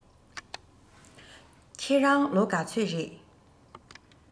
ཁྱེད རང ལོ ག ཚོད རེས